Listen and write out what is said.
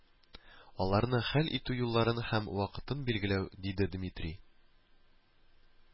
Аларны хәл итү юлларын һәм вакытын билгеләү, диде дмитрий